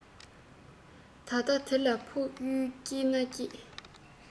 ད ལྟ དེ ལས ཕུགས ཡུལ སྐྱིད ནས སྐྱིད